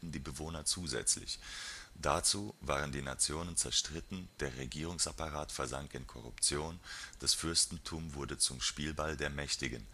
die Bewohner zusätzlich. Dazu waren die Nationen zerstritten, der Regierungsapparat versank in Korruption - das Fürstentum wurde zum Spielball der Mächtigen